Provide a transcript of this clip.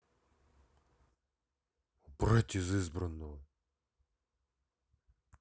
убрать из избранного